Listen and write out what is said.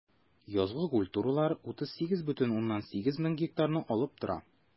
Язгы культуралар 38,8 мең гектарны алып тора.